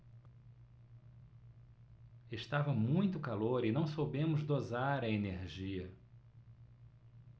estava muito calor e não soubemos dosar a energia